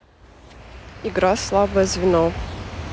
игра слабое звено